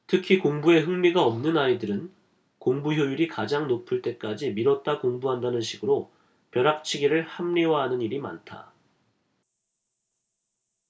특히 공부에 흥미가 없는 아이들은 공부 효율이 가장 높을 때까지 미뤘다 공부한다는 식으로 벼락치기를 합리화하는 일이 많다